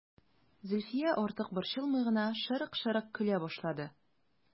Зөлфия, артык борчылмый гына, шырык-шырык көлә башлады.